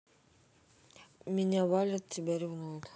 меня валит тебя ревнует